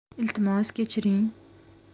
iltimos kechiring